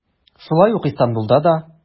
Шулай ук Истанбулда да.